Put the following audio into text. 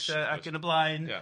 ...alltybiaeth yy ac yn y blaen. Ia.